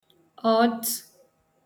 ọdtụ̀